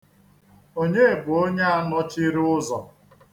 Onye bụ onye a nọchiri ụzọ.